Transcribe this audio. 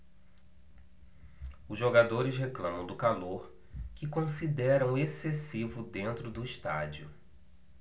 os jogadores reclamam do calor que consideram excessivo dentro do estádio